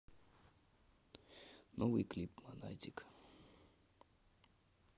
новый клип монатик